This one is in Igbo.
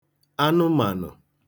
anụmànụ̀